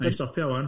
Wna i stopio ŵan.